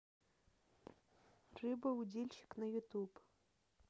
рыба удильщик на ютуб